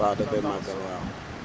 waaw da koy màggal waaw